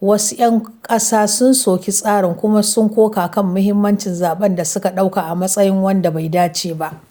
wasu 'yan ƙasa sun soki tsarin kuma sun koka kan muhimmancin zaɓen da suka ɗauka a matsayin wanda bai dace ba.